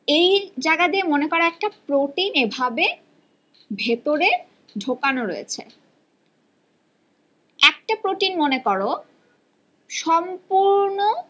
এ জায়গা দিয়ে মনে করো একটা প্রোটিন এভাবে ভেতরে ঢোকানো রয়েছে একটা প্রোটিন মনে করো সম্পূর্ণ